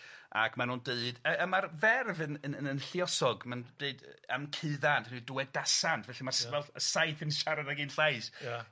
ac ma' nw'n deud yy a ma'r ferf yn yn yn lluosog, ma'n deud yy am caeddad, ti'bod dywedasant, felly ma' smel- y saith yn siarad ag un llais. Ia.